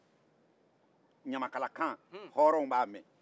hɔrɔnw bɛ ɲamakalakan mɛn